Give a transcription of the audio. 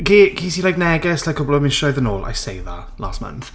Ge- ges i like neges like cwpl o misoedd yn ôl. I say that last month.